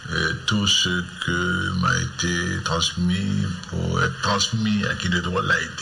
Ɛ tu se mahite tasumasmi taa tasuma min a hakili tɔgɔ layi ten